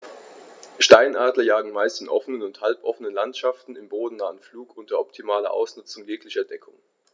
Steinadler jagen meist in offenen oder halboffenen Landschaften im bodennahen Flug unter optimaler Ausnutzung jeglicher Deckung.